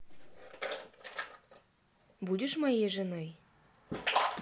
будешь моей женой